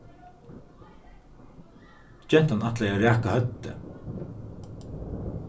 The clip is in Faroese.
gentan ætlaði at raka høvdið